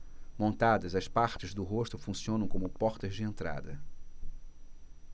montadas as partes do rosto funcionam como portas de entrada